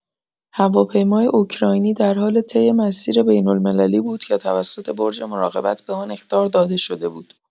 هواپیمای اوکراینی در حال طی مسیر بین‌المللی بود که توسط برج مراقبت به آن اخطار داده شده بود.